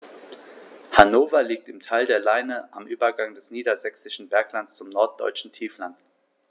Hannover liegt im Tal der Leine am Übergang des Niedersächsischen Berglands zum Norddeutschen Tiefland.